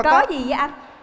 có gì vậy anh